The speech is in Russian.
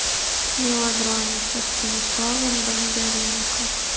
мелодрамы со станиславом бондаренко